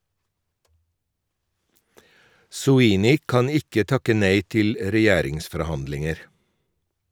Soini kan ikke takke nei til regjeringsforhandlinger.